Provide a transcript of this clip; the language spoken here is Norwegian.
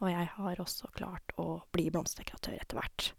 Og jeg har også klart å bli blomsterdekoratør etter hvert.